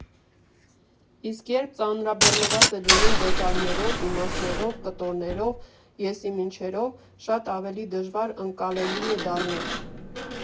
Իսկ երբ ծանրաբեռնված է լինում դետալներով, իմաստներով, կտորներով, եսիմինչերով, շատ ավելի դժվար ընկալելի է դառնում։